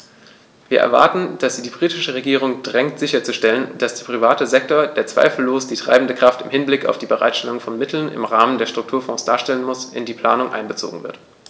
Wir erwarten, dass sie die britische Regierung drängt sicherzustellen, dass der private Sektor, der zweifellos die treibende Kraft im Hinblick auf die Bereitstellung von Mitteln im Rahmen der Strukturfonds darstellen muss, in die Planung einbezogen wird.